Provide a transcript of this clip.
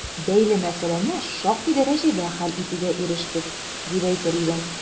Бәйле мәсьәләне шактый дәрәҗәдә хәл итүгә ирештек, дип әйтер идем.